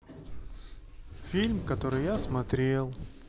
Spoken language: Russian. фильм который я смотрел